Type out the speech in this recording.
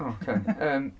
O, ocei, yym... <chwerthin